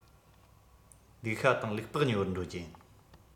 ལུག ཤ དང ལུག ལྤགས ཉོ བར འགྲོ རྒྱུ ཡིན